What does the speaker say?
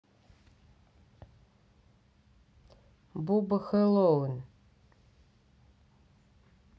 буба хэллоуин